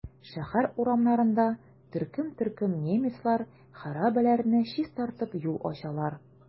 Шәһәр урамнарында төркем-төркем немецлар хәрабәләрне чистартып, юл ачалар.